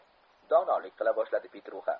donolik qila boshladi petruxa